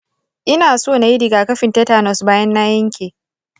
ina so nayi rigakafin tetanus bayan na yanke.